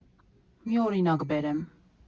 Մի օրինակ բերեմ։